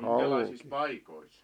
minkälaisissa paikoissa